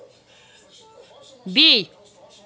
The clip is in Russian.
бей